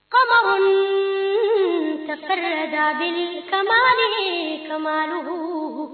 Kamalensonin ka da kamalenin kadugu